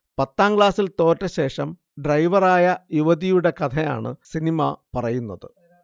പത്താംക്ലാസിൽ തോറ്റശേഷം ഡ്രൈവറായ യുവതിയുടെ കഥയാണ് സിനിമ പറയുന്നത്